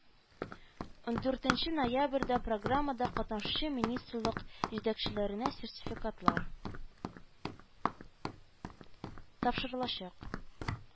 Ундүртенче ноябрьдә программада катнашучы министрлык җитәкчеләренә сертификатлар тапшырылачак